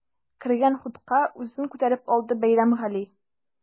Кергән хутка үзен күтәреп алды Бәйрәмгали.